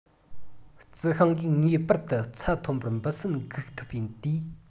རྩི ཤིང གིས ངེས པར དུ ཚད མཐོན པོར འབུ སྲིན འགུག ཐུབ པའི དུས